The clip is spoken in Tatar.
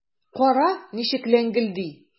Кара, ничек ләңгелди!